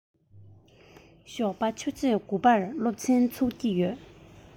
ཞོགས པ ཆུ ཚོད དགུ པར སློབ ཚན ཚུགས ཀྱི ཡོད རེད